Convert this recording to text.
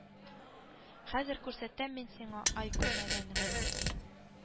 Хәзер күрсәтәм мин сиңа, Ай, күрмәгәнеңне